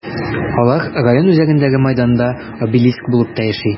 Алар район үзәгендәге мәйданда обелиск булып та яши.